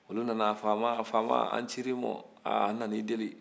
olu nana faama faama an cira i ma an nana i deeli